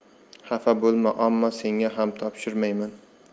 xafa bo'lma omma senga ham topshirmayman